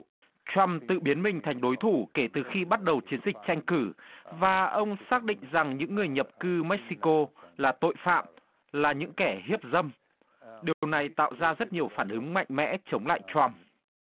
trăm tự biến mình thành đối thủ kể từ khi bắt đầu chiến dịch tranh cử và ông xác định rằng những người nhập cư mếc xi cô là tội phạm là những kẻ hiếp dâm điều này tạo ra rất nhiều phản ứng mạnh mẽ chống lại trăm